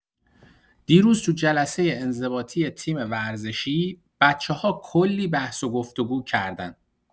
دیروز تو جلسه انضباطی تیم ورزشی، بچه‌ها کلی بحث و گفت‌وگو کردن.